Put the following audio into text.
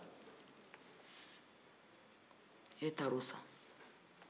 ni e taara o san